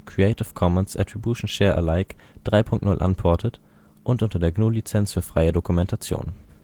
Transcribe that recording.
Commons Attribution Share Alike 3 Punkt 0 Unported und unter der GNU Lizenz für freie Dokumentation